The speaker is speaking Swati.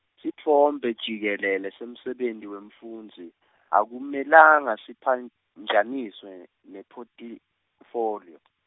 sitfombe jikelele semsebenti wemfundzi, akumelanga siphanjaniswe nephothifoliyo.